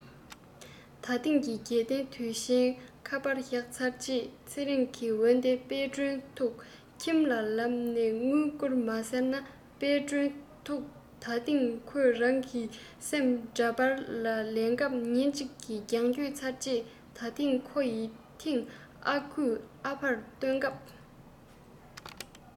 ད ཐེངས ཀྱི རྒྱལ སྟོན དུས ཆེན ཁ པར བཞག ཚར རྗེས ཚེ རིང གི འོན ཏེ དཔལ སྒྲོན ཐུགས ཁྱིམ ལ ལབ ནས དངུལ བསྐུར མ ཟེར ན དཔལ སྒྲོན ཐུགས ད ཐེངས ཁོ རང གི སེམས འདྲ པར ལེན སྐབས ཉིན གཅིག གི རྒྱང བསྐྱོད ཚར རྗེས ད ཐེངས ཁོ ཡི ཐེངས ཨ ཁུས ཨ ཕར བཏོན སྐབས